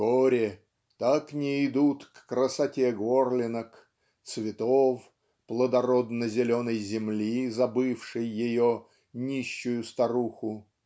горе так не идут к красоте горлинок цветов плодородно-зеленой земли забывшей ее нищую старуху